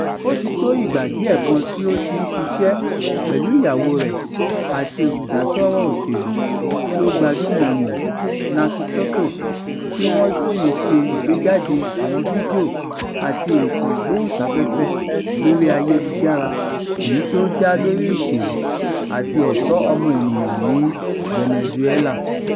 Ó ti tó ìgbà díẹ̀ kan tí ó ti ń ṣiṣẹ́ pẹ̀lú ìyàwó rẹ̀ àti olùdásọ́rọ̀ òṣèlú tí ó gbajúmọ̀ n nì, Naky Soto, tí wọn sì ń ṣe ìgbéjáde àwọn fídíò àti ètò Ìgbóhùnsáfẹ́fẹ́ lórí ayélujára èyí tí ó dá lórí ìṣèlú àti ẹ̀tọ́ ọmọ ènìyàn ní Venezuela.